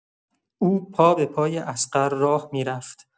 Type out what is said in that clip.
او پابه‌پای اصغر راه می‌رفت.